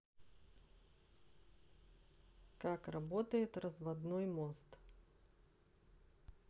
как работает разводной мост